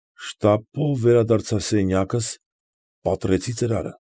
Շտապով վերադարձա սենյակս, պատռեցի ծրարը։